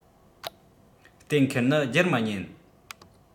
གཏན འཁེལ ནི སྒྱུར མི ཉན